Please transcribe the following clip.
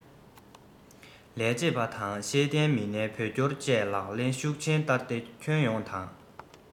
ལས བྱེད པ དང ཤེས ལྡན མི སྣའི བོད སྐྱོར བཅས ལག ལེན ཤུགས ཆེན བསྟར ཏེ ཁྱོན ཡོངས དང